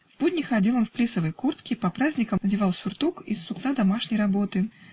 В будни ходил он в плисовой куртке, по праздникам надевал сертук из сукна домашней работы